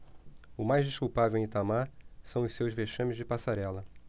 o mais desculpável em itamar são os seus vexames de passarela